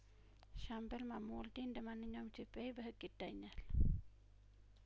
ሻምበል ማሞ ወልዴ እንደማንኛውም ኢትዮጵያዊ በህግ ይዳኛል